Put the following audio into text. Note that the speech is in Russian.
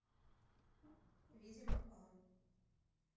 видимо а